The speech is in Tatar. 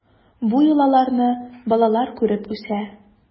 Бу йолаларны балалар күреп үсә.